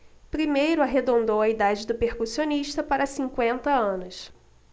primeiro arredondou a idade do percussionista para cinquenta anos